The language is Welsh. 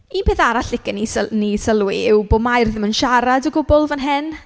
Un peth arall licen ni syl- ni i sylwi yw bod Mair ddim yn siarad o gwbl fan hyn.